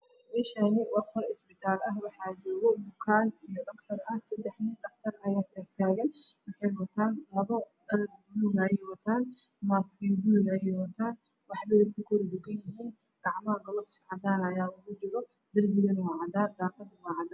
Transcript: Meshani waa qol isbitaal ah waxaa jogo bukaan iyo dhaqtar ah sedax nin dhaqtar ah ayaa tag tagan waxeyna wataan kabo kalar balug ah ayeey wataan mask balug ah ayeey wataan wax badan bey ku dhag dhagan yihiin gacmaha galovis cadan ah ayaa ugu jiro darbigana waa cadan daqadana waa cadan